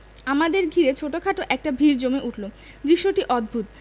আমাদের ঘিরে ছোটখাট একটা ভিড় জমে উঠল দৃশ্যটি অদ্ভুত